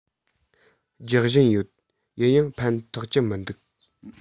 རྒྱག བཞིན ཡོད ཡིན ཡང ཕན ཐོགས ཀྱི མི འདུག